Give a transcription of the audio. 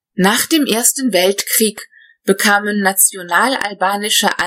Nach dem Ersten Weltkrieg bekamen nationalalbanische